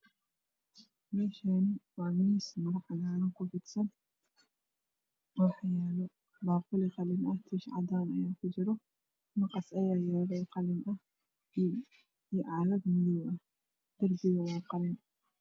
Meeshaani waa miis waxa yaalo baaquli cadaan darbiga waa qalin